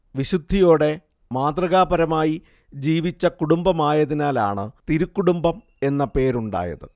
വിശുദ്ധിയോടെ മാതൃകാപരമായി ജീവിച്ച കുടുംബമായതിനാലാണ് തിരുക്കുടുംബം എന്ന പേരുണ്ടായത്